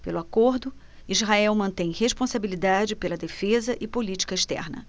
pelo acordo israel mantém responsabilidade pela defesa e política externa